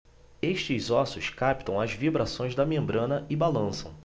estes ossos captam as vibrações da membrana e balançam